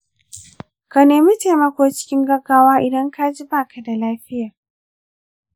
ka nemi taimako cikin gaggawa idan ka ji ba ka da lafiya.